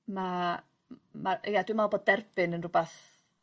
ma' m- ma' ia dwi me'wl bo' derbyn yn rwbath